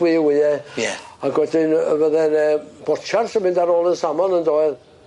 wye wye. Ie. Ag wedyn botsiars yn mynd ar ôl y samon yndoedd?